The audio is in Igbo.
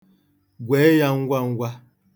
Gwee ya ngwa ngwa.